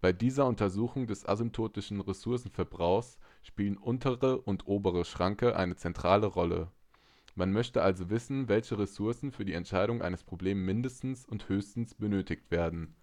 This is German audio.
dieser Untersuchung des asymptotischen Ressourcenverbrauchs spielen untere und obere Schranken eine zentrale Rolle. Man möchte also wissen, welche Ressourcen für die Entscheidung eines Problems mindestens und höchstens benötigt werden